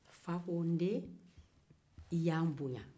fa ko n'den i ye anw bonya